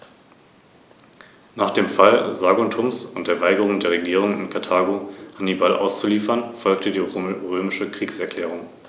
Der Mensch steht im Biosphärenreservat Rhön im Mittelpunkt.